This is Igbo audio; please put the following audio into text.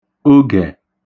oġẹ̀